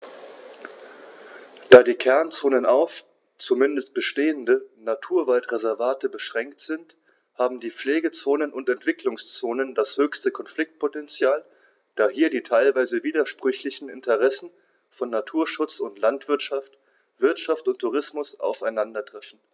Da die Kernzonen auf – zumeist bestehende – Naturwaldreservate beschränkt sind, haben die Pflegezonen und Entwicklungszonen das höchste Konfliktpotential, da hier die teilweise widersprüchlichen Interessen von Naturschutz und Landwirtschaft, Wirtschaft und Tourismus aufeinandertreffen.